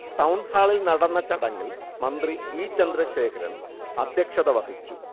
ടൗൺഹാളിൽ നടന്ന ചടങ്ങിൽ മന്ത്രി ഇ. ചന്ദ്രശേഖരൻ അധ്യക്ഷതവഹിച്ചു